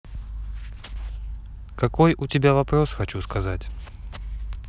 какой у тебя вопрос хочу сказать